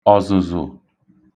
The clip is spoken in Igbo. ọ̀zụ̀zụ̀